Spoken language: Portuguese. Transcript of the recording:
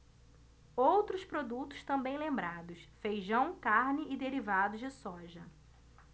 outros produtos também lembrados feijão café e derivados de soja